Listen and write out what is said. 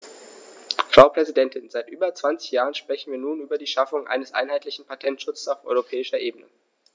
Frau Präsidentin, seit über 20 Jahren sprechen wir nun über die Schaffung eines einheitlichen Patentschutzes auf europäischer Ebene.